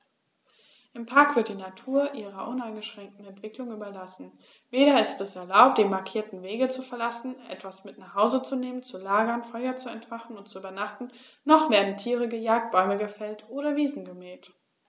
Im Park wird die Natur ihrer uneingeschränkten Entwicklung überlassen; weder ist es erlaubt, die markierten Wege zu verlassen, etwas mit nach Hause zu nehmen, zu lagern, Feuer zu entfachen und zu übernachten, noch werden Tiere gejagt, Bäume gefällt oder Wiesen gemäht.